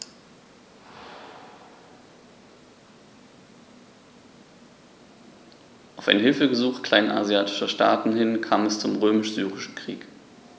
Auf ein Hilfegesuch kleinasiatischer Staaten hin kam es zum Römisch-Syrischen Krieg.